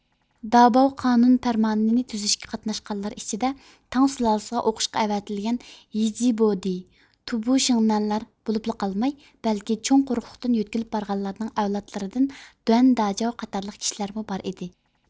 داباۋ قانۇن پەرمانى نى تۈزۈشكە قاتناشقانلار ئىچىدە تاڭ سۇلالىسىغا ئوقۇشقا ئەۋەتىلگەن يىجىبودى تۇبۇشىڭنەنلار بولۇپلا قالماي بەلكى چوڭ قۇرۇقلۇقتىن يۆتكىلىپ بارغانلارنىڭ ئەۋلادلىرىدىن دۇەن داجاۋ قاتارلىق كىشىلەرمۇ بار ئىدى